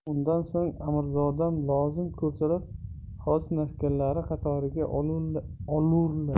undan so'ng amirzodam lozim ko'rsalar xos navkarlari qatoriga olurlar